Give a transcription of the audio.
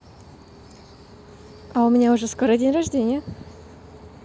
а у меня скоро уже день рождения